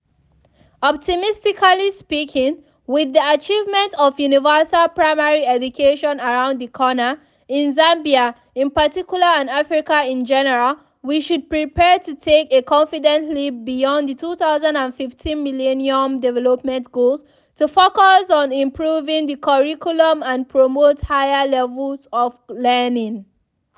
Optimistically speaking, with the achievement of universal primary education around the corner, in Zambia in particular and Africa in general, we should prepare to take a confident leap beyond the 2015 Millennium Development Goals to focus on improving the curriculum and promote higher levels of learning.